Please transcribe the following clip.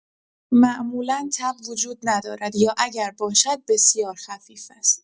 معمولا تب وجود ندارد یا اگر باشد بسیار خفیف است.